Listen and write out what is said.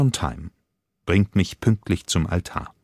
Time (Bringt mich pünktlich zum Altar